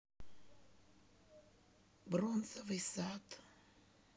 бронзовый сад